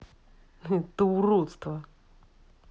это уродство